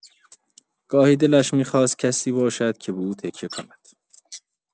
گاهی دلش می‌خواست کسی باشد که به او تکیه کند.